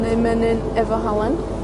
Neu menyn efo halen.